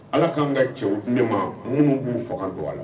Ala k'an ka cɛw min ma minnu b'u faga don a la